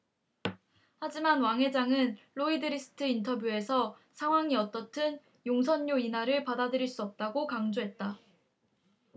하지만 왕 회장은 로이드리스트 인터뷰에서 상황이 어떻든 용선료 인하를 받아들일 수 없다고 강조했다